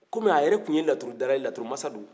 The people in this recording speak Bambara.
kɔmi a yɛrɛ tun ye laturudala ye laturumansa don